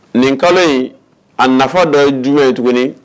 Nin kalo in a nafa dɔ ye jugu ye tuguni